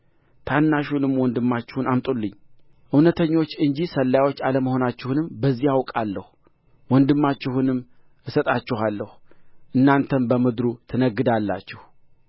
ታናሹንም ወንድማችሁን አምጡልኝ እውነተኞች እንጂ ሰላዮች አለመሆናችሁንም በዚህ አውቀዋለሁ ወንድማችሁንም እሰጣችኋለሁ እናንተም በምድሩ ትነግዳላችሁ